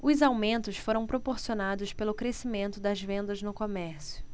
os aumentos foram proporcionados pelo crescimento das vendas no comércio